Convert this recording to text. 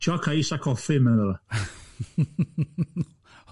Choc ice a coffi, medda fo fel'a.